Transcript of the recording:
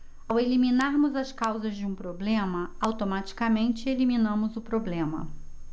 ao eliminarmos as causas de um problema automaticamente eliminamos o problema